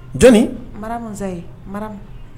Jɔnni ? Maramu zayi Maramu.